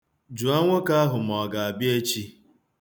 Jụọ nwoke ahụ ma ọ ga-abịa echi.